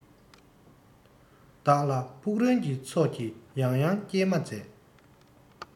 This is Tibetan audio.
བདག ལ ཕུག རོན གྱི ཚོགས ཀྱིས ཡང ཡང སྐྱེལ མ མཛད